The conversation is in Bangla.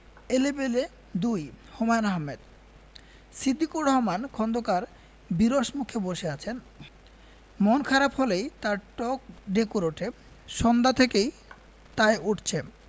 এলেবেলে ২ হুমায়ূন আহমেদ সিদ্দিকুর রহমান খন্দকার বিরস মুখে বসে আছেন মন খারাপ হলেই তাঁর টক ঢেকুর ওঠে সন্ধ্যা থেকে তাই উঠছে